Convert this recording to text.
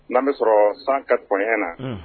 N'an bɛ sɔrɔ san ka kɛnɛya na